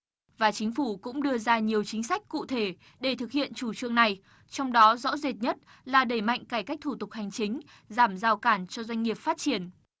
và chính phủ cũng đưa ra nhiều chính sách cụ thể để thực hiện chủ trương này trong đó rõ rệt nhất là đẩy mạnh cải cách thủ tục hành chính giảm rào cản cho doanh nghiệp phát triển